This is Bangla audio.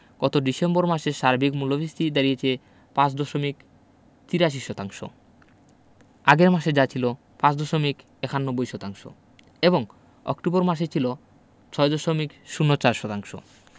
গত ডিসেম্বর মাসে সার্বিক মূল্যস্ফীতি দাঁড়িয়েছে ৫ দশমিক ৮৩ শতাংশ আগের মাসে যা ছিল ৫ দশমিক ৯১ শতাংশ এবং অক্টোবর মাসে ছিল ৬ দশমিক ০৪ শতাংশ